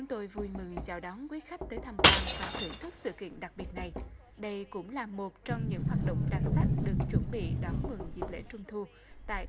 tôi vui mừng chào đón quý khách tới tham quan và thưởng thức sự kiện đặc biệt này đây cũng là một trong những hoạt động đặc sắc được chuẩn bị đón mừng dịp lễ trung thu tại